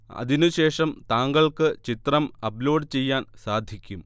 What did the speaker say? അതിനുശേഷം താങ്കൾക്ക് ചിത്രം അപ്ലോഡ് ചെയ്യാൻ സാധിക്കും